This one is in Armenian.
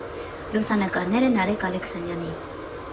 Լուսանկարները՝ Նարեկ Ալեքսանյանի։